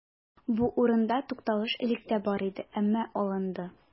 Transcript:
Бу урында тукталыш элек тә бар иде, әмма алынды.